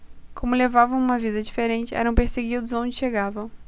como levavam uma vida diferente eram perseguidos onde chegavam